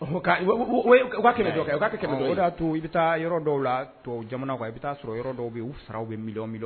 U u da to i bɛ taa yɔrɔ dɔw la jamana kan i bɛ taa sɔrɔ yɔrɔ dɔw bɛ u sara bɛ midɔn